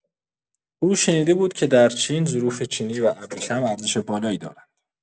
او شنیده بود که در چین، ظروف چینی و ابریشم ارزش بالایی دارند.